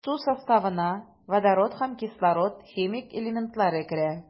Су составына водород һәм кислород химик элементлары керә.